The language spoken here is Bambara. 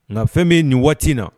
Nka fɛn min ye ni waati in na